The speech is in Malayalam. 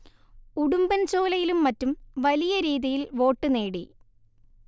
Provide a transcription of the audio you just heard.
ഉടുമ്ബൻ ചോലയിലും മറ്റും വലിയ രീതിയിൽ വോട്ട് നേടി